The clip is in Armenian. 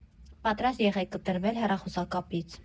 Պատրաստ եղեք կտրվել հեռախոսակապից։